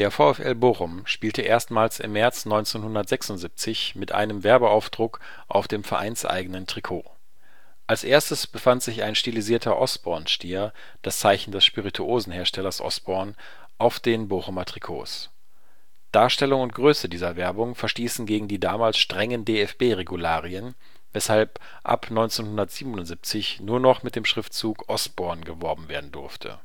VfL Bochum spielte erstmals im März 1976 mit einem Werbeaufdruck auf dem vereinseigenen Trikot. Als erstes befand sich ein stilisierter Osborne-Stier, das Zeichen des Spirituosenherstellers Osborne, auf den Bochumer Trikots. Darstellung und Größe dieser Werbung verstießen gegen die damals strengen DFB-Regularien, weshalb ab 1977 nur noch mit dem Schriftzug „ Osborne “geworben werden durfte